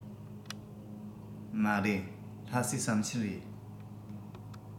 མ རེད ལྷ སའི ཟམ ཆེན རེད